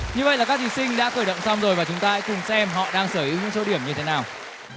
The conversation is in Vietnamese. như vậy là các thí sinh đã khởi động xong rồi và chúng ta hãy cùng xem họ đang sở hữu những số điểm như thế nào